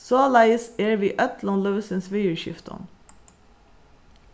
soleiðis er við øllum lívsins viðurskiftum